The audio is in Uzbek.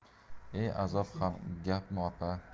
e azob ham gapmi opa